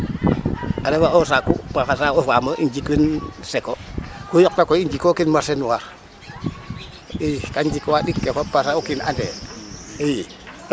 A refa o saaku pafa, o faam o um jikwin seko ku yoqna koy jikookin marcher noir i kan jikwa ndik ke fop parce que o kin andee i